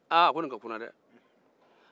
a ko ni ka kunna dɛ